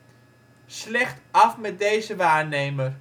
slecht af met deze waarnemer